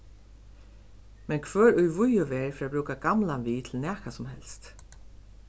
men hvør í víðu verð fer at brúka gamlan við til nakað sum helst